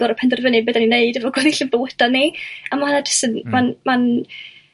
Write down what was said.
goro penderfynu be 'da ni'n neud efo gweddill ein bywyda' ni a mae o jyst yn ma'n